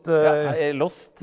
lost.